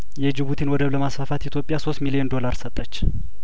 የጅቡቲን ወደብ ለማስፋፋት ኢትዮጵያሶስት ሚሊዮን ዶላር ሰጠች